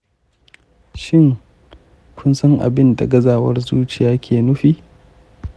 shin, kun san abin da gazawar zuciya ke nufi?